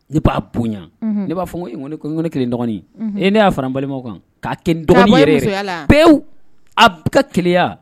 Ne b'a boɲa unhun ne b'a fɔ ŋo ee ŋo ne k ŋo ne 1 dɔgɔnin unhun ee ne y'a fara n balimaw kan k'a kɛ n dɔgɔnin yɛrɛ yɛrɛ k'a bɔ i musoya la a pewu a ka keleya